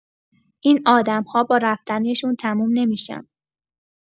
این آدم‌ها با رفتنشون تموم نمی‌شن.